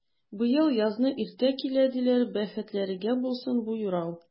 Быел язны иртә килә, диләр, бәхетләргә булсын бу юрау!